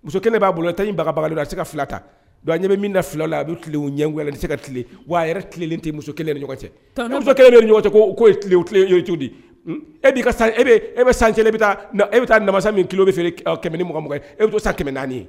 Muso kelen b'a bolo ta in baba la a tɛ se ka fila ta ɲɛ bɛ min da fila la a bɛ tile ɲɛ se ka tile wa a yɛrɛ tile tɛ muso kelen ni ɲɔgɔn cɛ kelen ye ɲɔgɔn cɛ' cogo di e'i e e bɛ sancɛ e bɛ taa namasa min kilo bɛ fɛ kɛmɛ ni mɔgɔmɔgɔ e bɛ to sa kɛmɛ naani ye